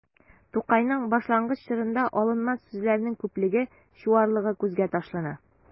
Тукайның башлангыч чорында алынма сүзләрнең күплеге, чуарлыгы күзгә ташлана.